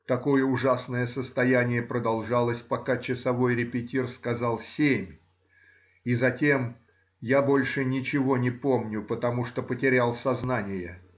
Такое ужасное состояние продолжалось, пока часовой репетир сказал семь,— и затем я больше ничего не помню, потому что потерял сознание.